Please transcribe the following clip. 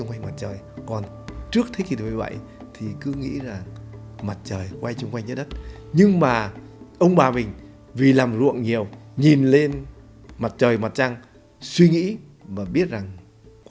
quanh mặt trời còn trước thế kỷ thứ mười bảy thì cứ nghĩ là mặt trời quay xung quanh trái đất nhưng bà ông bà bình vì làm ruộng nhiều nhìn lên mặt trời mặt trăng suy nghĩ và biết rằng